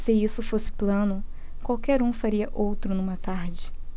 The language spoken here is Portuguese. se isso fosse plano qualquer um faria outro numa tarde